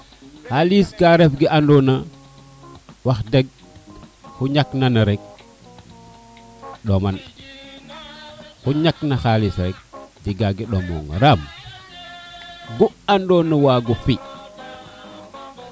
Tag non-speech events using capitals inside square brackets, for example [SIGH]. xalis ka ref ke ando na wax deg [MUSIC] ku ñak na nene rek [MUSIC] ɗoman o xu ñak na xalis rek jega ge ɗomo nga raam [MUSIC] gu ando na wago pi [MUSIC]